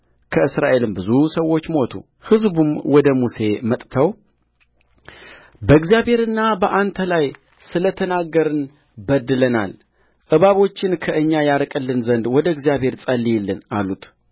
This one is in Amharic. ከእስራኤልም ብዙ ሰዎች ሞቱሕዝቡም ወደ ሙሴ መጥተው በእግዚአብሔርና በአንተ ላይ ስለ ተናገርን በድለናል እባቦችን ከእኛ ያርቅልን ዘንድ ወደ እግዚአብሔር ጸልይልን አሉት